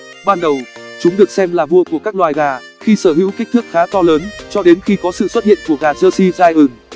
ban đầu chúng được xem là vua của các loài gà khi sở hữu kích thước khá to lớn cho đến khi có sự xuất hiện của gà jersey giant